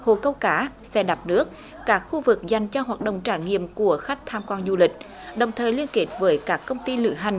hồ câu cá xe đạp nước cả khu vực dành cho hoạt động trải nghiệm của khách tham quan du lịch đồng thời liên kết với các công ty lữ hành